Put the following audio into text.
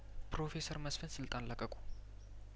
ፕሮፌሰር መስፍን ስልጣን ለቀቁ